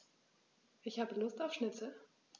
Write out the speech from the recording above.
Ich habe Lust auf Schnitzel.